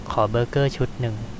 ขอเบอร์เกอร์ชุดหนึ่ง